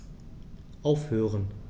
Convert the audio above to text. Aufhören.